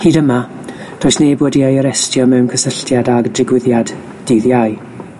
Hyd yma, does neb wedi ei arestio mewn cysylltiad ag y digwyddiad dydd Iau,